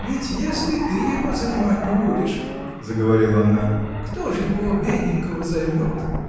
-- Ведь если ты его занимать не будешь, -- заговорила она, -- кто ж его, бедненького, займет?